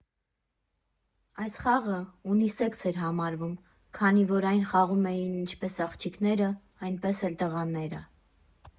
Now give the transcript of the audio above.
Այս խաղը «ունիսեքս» էր համարվում, քանի որ այն խաղում էին ինչպես աղջիկները, այնպես էլ տղաները։